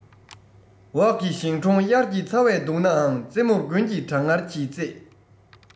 འོག གི ཞིང གྲོང དབྱར གྱི ཚ བས གདུང ནའང རྩེ མོར དགུན གྱི གྲང ངར གྱིས གཙེས